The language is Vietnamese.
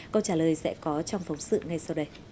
câu trả lời sẽ có trong phóng sự ngay sau đây